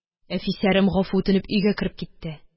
Әфисәрем, гафу үтенеп, өйгә кереп китте.